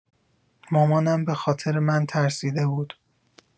مامانم به‌خاطر من ترسیده بود.